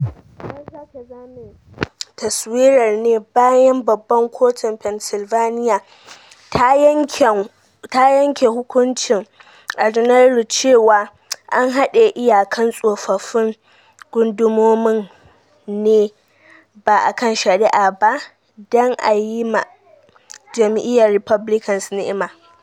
An sake zane taswirar ne bayan Babban Kotun Pennsylvania ta yanken hukunci a Janairu cewa an haɗe iyakan tsofaffin gundumomin ne ba akan shari’a ba dan a yima jam’iyar Republicans ni’ima.